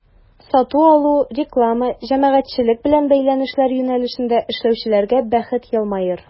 Сату-алу, реклама, җәмәгатьчелек белән бәйләнешләр юнәлешендә эшләүчеләргә бәхет елмаер.